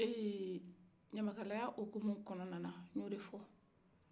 ee ɲamakala o kumu kɔnɔna la y'o de fɔ